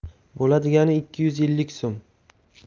bo'ladigani ikki yuz ellik so'm